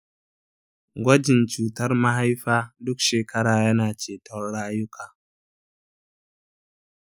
gwajin cutar mahaifa duk shekara yana ceton rayuka.